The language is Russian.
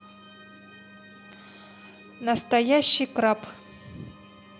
настоящий краб